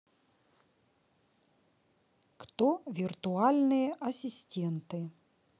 кто виртуальные ассистенты